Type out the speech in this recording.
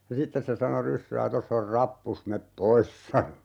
ja sitten se sanoi ryssää tuossa on rappusi mene pois sanoi